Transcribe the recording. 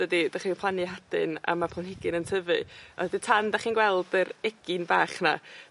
dydi? 'Dach chi' plannu hadyn a ma' planhigyn yn tyfu. A wedyn tan 'dach chi'n gweld yr egin bach 'na